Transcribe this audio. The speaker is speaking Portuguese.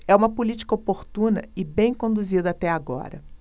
é uma política oportuna e bem conduzida até agora